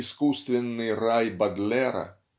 искусственный рай Бодлера